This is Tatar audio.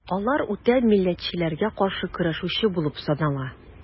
Алар үтә милләтчеләргә каршы көрәшүче булып санала.